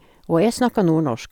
Og jeg snakker nordnorsk.